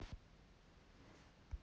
я это сделал не работает